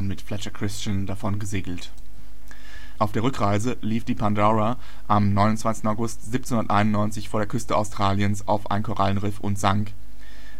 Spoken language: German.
mit Fletcher Christian davongesegelt. Auf der Rückreise lief die Pandora am 29. August 1791 vor der Küste Australiens auf ein Korallenriff und sank.